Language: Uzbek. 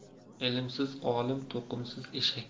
ilmsiz olim to'qimsiz eshak